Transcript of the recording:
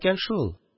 Икән шул...